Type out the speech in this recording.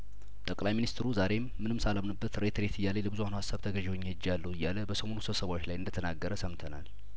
ጠቅላይ ሚኒስትሩ ዛሬም ምንም ሳላምንበት ሬት ሬት እያለኝ ለብዙሀኑ ሀሳብ ተገዥ ሆኜ ሄጃለሁ እያለበሰሞኑ ስብሰባዎች ላይ እንደተናገረ ሰምተናል